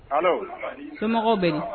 Paul somɔgɔw bɛ